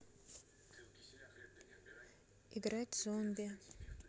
играть зомби